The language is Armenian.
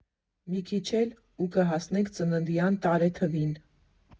Մի քիչ էլ ու կհասնենք ծննդյան տարեթվին…